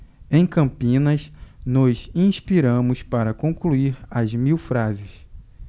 em campinas nos inspiramos para concluir as mil frases